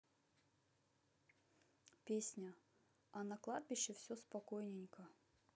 песня а на кладбище все спокойненько